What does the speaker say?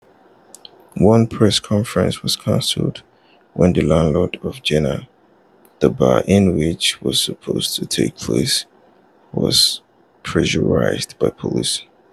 One press conference was cancelled when the landlord of Janeer, the bar in which it was supposed to take place, was pressurised by police.